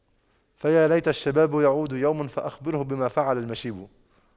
فيا ليت الشباب يعود يوما فأخبره بما فعل المشيب